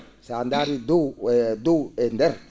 si a ndaarii dow e dow e ndeer